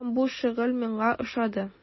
Һәм бу шөгыль миңа ошады.